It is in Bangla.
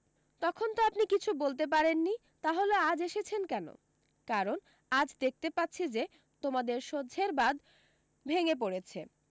তখন তো আপনি কিছু বলতে পারেননি তাহলে আজ এসেছেন কেন কারণ আজ দেখতে পাচ্ছি যে তোমাদের সহ্যের বাঁধ ভেঙ্গে পড়েছে